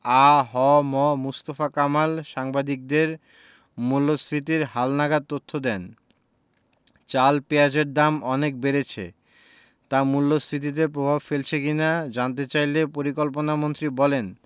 আ হ ম মুস্তফা কামাল সাংবাদিকদের মূল্যস্ফীতির হালনাগাদ তথ্য দেন চাল পেঁয়াজের দাম অনেক বেড়েছে তা মূল্যস্ফীতিতে প্রভাব ফেলছে কি না জানতে চাইলে পরিকল্পনামন্ত্রী বলেন